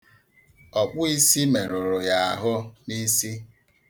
Ọkpụisi merụrụ ya ahụ n'isi.